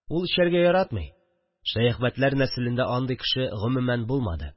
Ул эчәргә яратмый – Шәяхмәтләр нәселендә андый кеше гомумән булмады